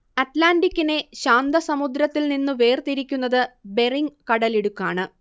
അറ്റ്ലാന്റിക്കിനെ ശാന്തസമുദ്രത്തിൽനിന്നു വേർതിരിക്കുന്നതു ബെറിങ് കടലിടുക്കാണ്